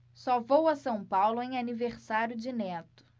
só vou a são paulo em aniversário de neto